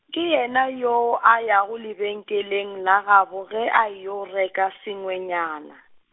ke yena yoo a yago lebenkeleng la gabo ge a yeo reka sengwenyana.